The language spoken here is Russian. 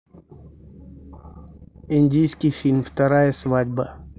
индийский фильм вторая свадьба